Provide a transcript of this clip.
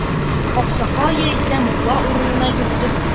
Аксакал яисә мулла урынына йөртеп,